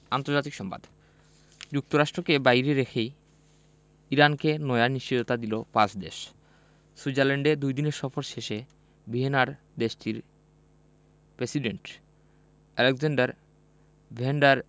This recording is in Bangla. আন্তর্জাতিক সংবাদ যুক্তরাষ্ট্রকে বাইরে রেখেই ইরানকে নয়া নিশ্চয়তা দিল পাঁচ দেশ সুইজারল্যান্ডে দুদিনের সফর শেষে ভিয়েনায় দেশটির প্রেসিডেন্ট আলেক্সান্ডার ভ্যান ডার